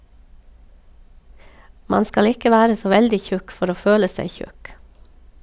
Man skal ikke være så veldig tjukk for å føle seg tjukk.